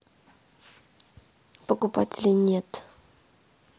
покупателей нет